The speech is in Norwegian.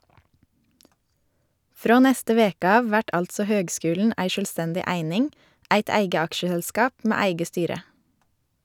Frå neste veke av vert altså høgskulen ei sjølvstendig eining, eit eige aksjeselskap med eige styre.